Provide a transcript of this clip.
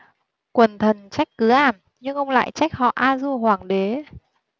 quần thần trách cứ ảm nhưng ông lại trách họ a dua hoàng đế